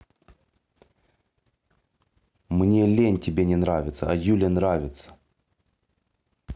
мне лень тебе не нравится а юле нравится